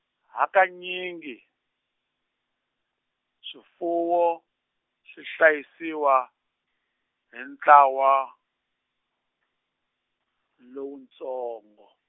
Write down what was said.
hakanyingi, swifuwo swi hlayisiwa hi ntlawa, lowutsongo.